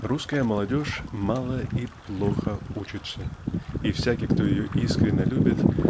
Русская молодежь мало и плохо учится и всякий кто ее искренно любит